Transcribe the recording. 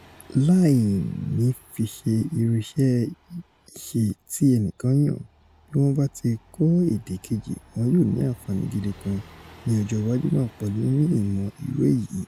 Láìnífiṣe irú iṣẹ́-ìṣe ti ẹnìkan yàn, bí wọ́n báti kọ́ èdè keji, wọn yóò ní àǹfààní gidi kan ní ọjọ́ iwájú náà pẹ̀lú níní ìmọ̀́ irú èyí.